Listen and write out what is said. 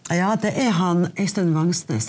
ja det er han Øystein Vangsnes.